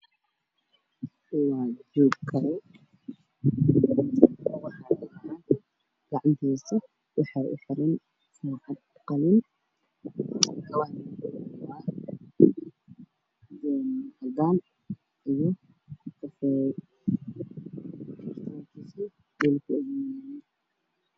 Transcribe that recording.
Waxaa ii muuqda laba kabood oo midafkoodu yahay qaxwi nin ayaa soo taagaya mid ka mid ah gacanta waxaa ugu xiran saacad oo dahabi ah